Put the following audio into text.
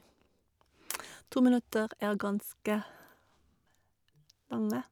To minutter er ganske lange.